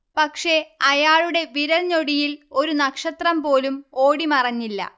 പക്ഷേ, അയാളുടെ വിരൽഞൊടിയിൽ ഒരു നക്ഷത്രംപോലും ഓടിമറഞ്ഞില്ല